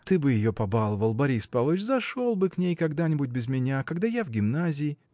Ты бы ее побаловал, Борис Павлович, зашел бы к ней когда-нибудь без меня, когда я в гимназии.